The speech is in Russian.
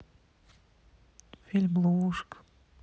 фильм ловушка